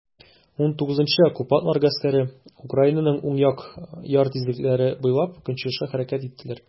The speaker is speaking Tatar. XIX Оккупантлар гаскәре Украинаның уң як яр тигезлекләре буйлап көнчыгышка хәрәкәт иттеләр.